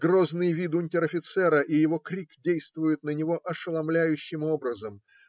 Грозный вид унтер-офицера и его крик действуют на него ошеломляющим образом